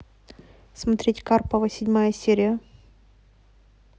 смотреть карпова седьмая серия